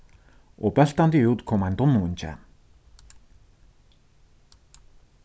og bóltandi út kom ein dunnuungi